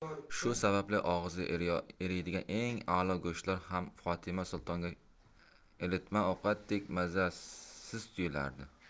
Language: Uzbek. shu sababli og'izda eriydigan eng alo go'shtlar ham fotima sultonga ilitma ovqatdek mazasiz tuyulardi